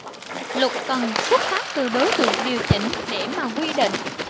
luật cần xuất phát từ đối tượng điều chỉnh để mà quy định